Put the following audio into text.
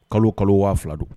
Kalo kalo 10 000 don.